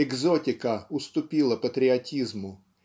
Экзотика уступила патриотизму.